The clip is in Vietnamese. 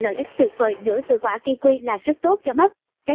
một lợi ích tuyệt vời nữa từ quả kiwi là rất tốt cho mắt